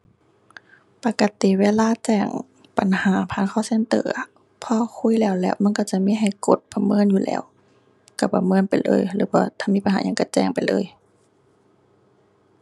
ปกติเวลาแจ้งปัญหาผ่าน call center อะ พอคุยแล้วแล้วมันก็จะมีให้กดประเมินอยู่แล้ว ก็ประเมินไปเลยหรือว่าถ้ามีปัญหาหยังก็แจ้งไปเลย